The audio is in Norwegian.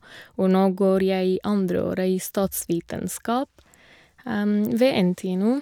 Og nå går jeg andre året i statsvitenskap ved NTNU.